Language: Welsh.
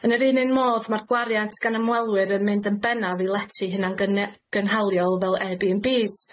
Yn yr un un modd ma'r gwariant gan ymwelwyr yn mynd yn bennaf i lety hunan gyne- gynhaliol fel Air Bee and Bees.